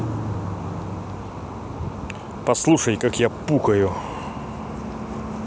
послушай как я пукаю